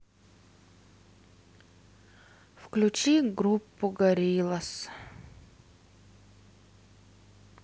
включи группу горилаз